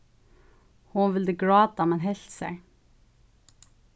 hon vildi gráta men helt sær